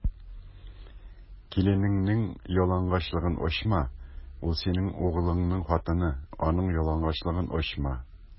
Киленеңнең ялангачлыгын ачма: ул - синең углыңның хатыны, аның ялангачлыгын ачма.